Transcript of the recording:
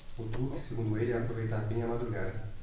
o truque segundo ele é aproveitar bem a madrugada